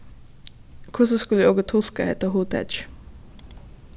hvussu skulu okur tulka hetta hugtakið